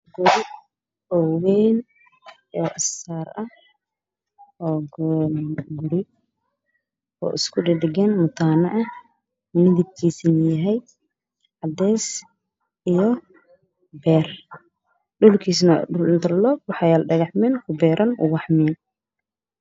Guri oo weyn oo is-saar ah. oo goo oo isku dhag-dhagan oo mataane eh midabkiisana yahay cadeys iyo beer. dhulkiisana intara-roog waxa yaalo dhagaxman, beerar ubaxman.